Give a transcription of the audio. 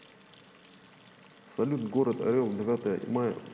салют город орел девятое мая